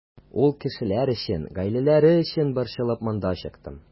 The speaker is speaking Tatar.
Ул кешеләр өчен, гаиләләре өчен борчылып монда чыктым.